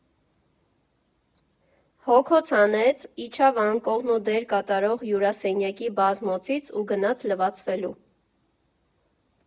Հոգոց հանեց, իջավ անկողնու դեր կատարող հյուրասենյակի բազմոցից ու գնաց լվացվելու։